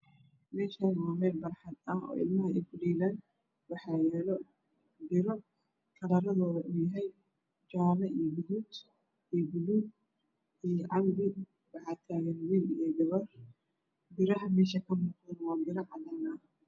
Meshani waa meel barxad ah ciyaalka ku dhelaan waxa yaalo biro kalaradu yahay jaalo io gaduud io baluug io canbe waxa tagan wil io gabar biraha meesha ka muqdaan waa biro cadan ah